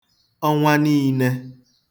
ọnwa niīnē